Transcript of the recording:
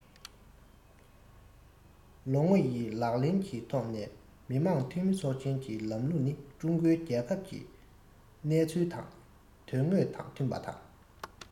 ལོ ངོ ཡི ལག ལེན གྱི ཐོག ནས མི དམངས འཐུས མི ཚོགས ཆེན གྱི ལམ ལུགས ནི ཀྲུང གོའི རྒྱལ ཁབ ཀྱི གནས ཚུལ དང དོན དངོས དང མཐུན པ དང